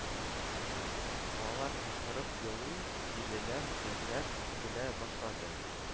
Лалар кычкырып елый, тилеләр тәгәрәп көлә башлады